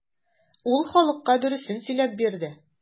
Ул халыкка дөресен сөйләп бирде.